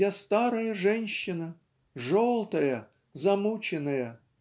Я старая женщина, желтая, замученная",